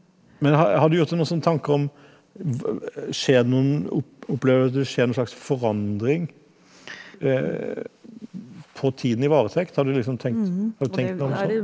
men har har du gjort deg noen sånn tanker om skjer det noen opplever du at det skjer noen slags forandring på tiden i varetekt, har du liksom tenkt har du tenkt noe om sånn?